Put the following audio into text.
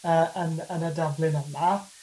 yy yn yn y daflen yna.